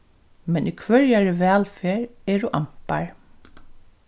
men í hvørjari vælferð eru ampar